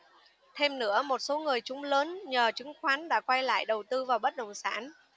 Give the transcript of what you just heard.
thêm nữa một số người trúng lớn nhờ chứng khoán đã quay lại đầu tư vào bất động sản